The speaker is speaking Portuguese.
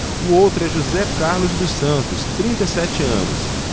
o outro é josé carlos dos santos trinta e sete anos